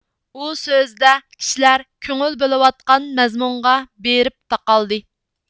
ئۇ سۆزىدە كىشىلەر كۆڭۈل بۆلۈۋاتقان مەزمۇنغا بېرىپ تاقالدى